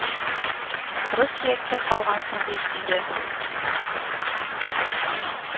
Коры сөяккә калгансың бит, диде